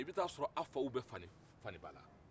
i bɛ taa sɔrɔ aw faw bɛ fa ni ba la